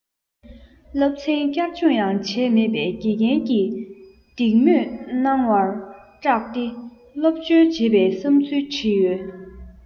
སློབ ཚན བསྐྱར སྦྱོང ཡང བྱས མེད པས དགེ རྒན གྱི སྡིག དམོད གནང བར སྐྲག སྟེ སློབ བྱོལ བྱེད པའི བསམ ཚུལ བྲིས ཡོད